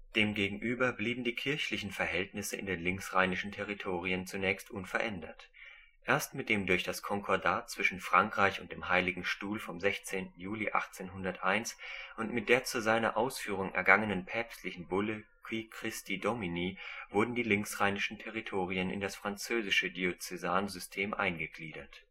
Demgegenüber blieben die kirchlichen Verhältnisse in den linksrheinischen Territorien zunächst unverändert; erst mit dem durch das Konkordat zwischen Frankreich und dem Heiligen Stuhl vom 16. Juli 1801 und mit der zu seiner Ausführung ergangenen päpstlichen Bulle Qui Christi Domini wurden die linksrheinischen Territorien in das französische Diözesansystem eingegliedert